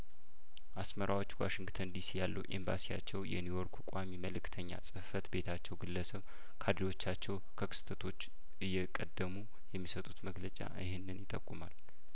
አስመራዎች ዋሽንግተን ዲሲ ያለው ኤምባሲያቸው የኒውዮርኩ ቋሚ መልእክተኛ ጽህፈት ቤታቸው ግለሰብ ካድሬዎቻቸው ከክስተቶች እየቀደሙ የሚሰጡት መግለጫ ይህንን ይጠቁማል